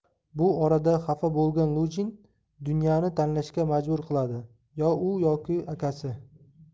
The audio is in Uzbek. bu orada xafa bo'lgan lujin dunyani tanlashga majbur qiladi yo u yoki akasi